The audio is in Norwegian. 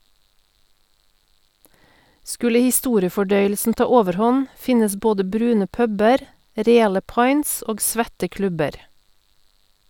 Skulle historiefordøyelsen ta overhånd , finnes både brune puber, reale pints og svette klubber.